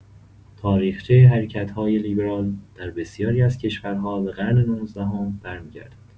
تاریخچه حرکت‌های لیبرال در بسیاری از کشورها به قرن نوزدهم برمی‌گردد.